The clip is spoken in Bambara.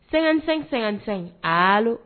Sɛgɛnsɛ sɛgɛnsan a